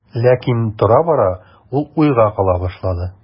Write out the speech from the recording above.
Ләкин тора-бара ул уйга кала башлады.